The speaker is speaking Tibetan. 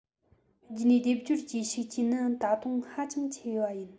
རྒྱུད གཉིས སྡེབ སྦྱོར གྱི ཤུགས རྐྱེན ནི ད དུང ཧ ཅང ཆེ བ ཡིན